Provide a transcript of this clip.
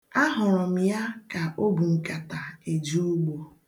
Ahụrụ m ya ka o bu nkata eje ugbo.